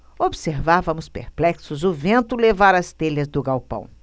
observávamos perplexos o vento levar as telhas do galpão